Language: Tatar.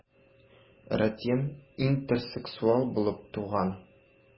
Ратьен интерсексуал булып туган.